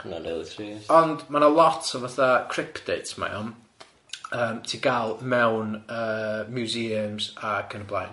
Hunna'n rili trist. Ond ma' na lot o fatha cryptids mae o yym ti'n ga'l mewn yy museums ac yn y blaen.